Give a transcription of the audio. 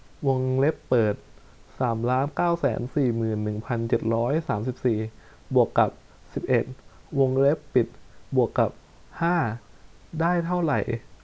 วงเล็บเปิดสามล้านเก้าแสนสี่หมื่นหนึ่งพันเจ็ดร้อยสามสิบสี่บวกกับสิบเอ็ดวงเล็บปิดบวกกับห้าได้เท่าไหร่